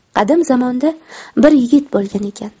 qadim zamonda bir yigit bo'lgan ekan